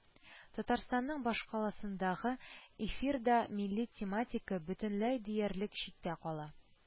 Татарстанның башкаласындагы “Эфир”да милли тематика бөтенләй диярлек читтә кала